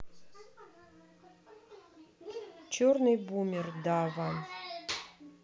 черный бумер дава